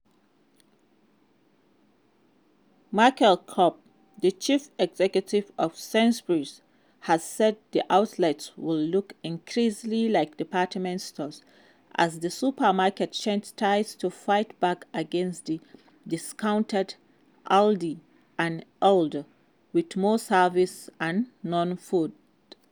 Mike Coupe, the chief executive of Sainsbury's, has said the outlets will look increasingly like department stores as the supermarket chain tries to fight back against the discounters Aldi and Lidl with more services and non-food.